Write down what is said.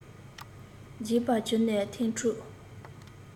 བརྗེད པ གྱུར ནས ཐན ཕྲུག